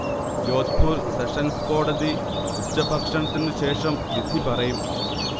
Jodhpur sessions കോടതി ഉച്ചഭക്ഷണത്തിനു ശേഷം വിധി പറയും